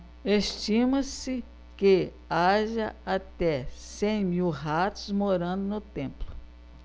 estima-se que haja até cem mil ratos morando no templo